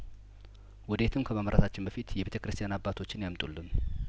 ወደ የትም ከማምራታችን በፊት የቤተ ክርስቲያን አባቶችን ያምጡ ልን